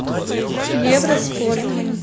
евро спорт